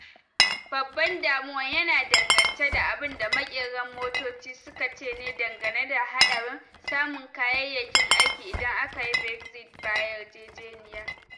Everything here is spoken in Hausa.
Babban damuwan yana dangance da abun da makera motoci suka ce ne dangane da hadarin samun kayayyakin aiki idan akayi Brexit ba yarjejeniya.